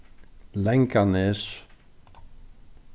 langanes